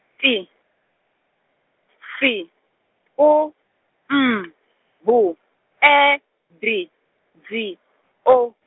T, S, U, M , B, E, D, Z, O.